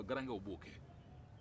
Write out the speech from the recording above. garankew b'o kɛ